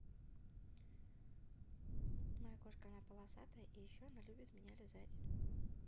моя кошка она полосатая и еще она любит меня лизать